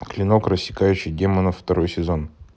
клинок рассекающий демонов второй сезон